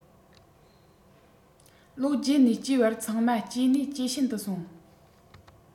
ལོ བརྒྱད ནས བཅུའི བར ཚང མ སྐྱེ ནུས ཇེ ཞན དུ སོང